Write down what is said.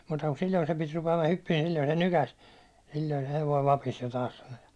muuta kuin silloin sen piti rupeaman hyppimään niin silloin se nykäisi silloin se hevonen vapisi jo taas sanoi ja